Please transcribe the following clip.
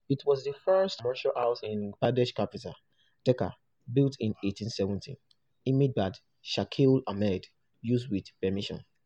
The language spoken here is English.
It was the first commercial house in the Bangladeshi capital, Dhaka, built in 1870. Image by Shakil Ahmed, used with permission.